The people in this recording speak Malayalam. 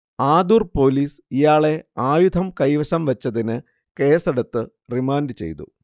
ആദൂർ പോലീസ് ഇയാളെ ആയുധം കൈവശം വച്ചതിന് കേസെടുത്ത് റിമാൻഡുചെയ്തു